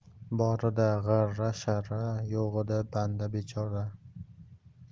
borida g'arra sharra yo'g'ida banda bechora